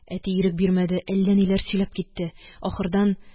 Әти ирек бирмәде, әллә ниләр сөйләп китте. Ахырдан: